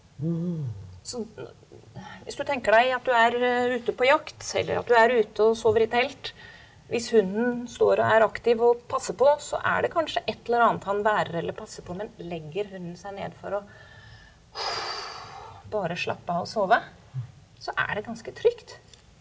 så hvis du tenker deg at du er ute på jakt eller at du er ute og sover i telt, hvis hunden står og er aktiv og passer på så er det kanskje et eller annet han værer eller passer på, men legger hunden seg ned for å bare slappe av og sove, så er det ganske trygt.